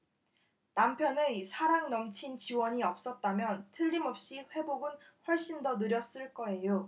남편의 사랑 넘친 지원이 없었다면 틀림없이 회복은 훨씬 더 느렸을 거예요